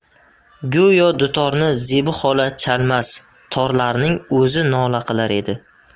go'yo dutorni zebi xola chalmas torlarning o'zi nola qilar edi